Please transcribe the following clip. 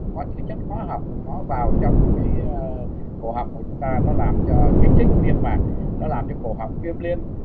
có những chất hóa học nó vào trong cái cổ họng của chúng ta nó làm cho kích thích niêm mạc nó làm cho cổ họng viêm liên